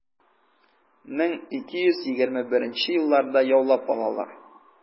1221 елларда яулап алалар.